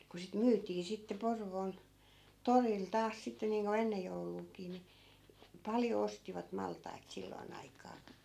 kun sitä myytiin sitten Porvoon torilla taas sitten niin kuin ennen jouluakin niin paljon ostivat maltaita silloin aikaa